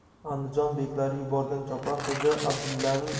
andijon beklari yuborgan chopar xo'ja abdullaning